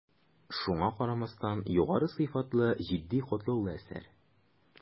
Шуңа карамастан, югары сыйфатлы, житди, катлаулы әсәр.